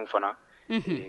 N fana unhun